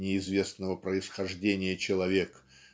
неизвестного происхождения человек